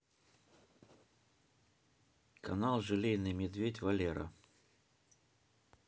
канал желейный медведь валера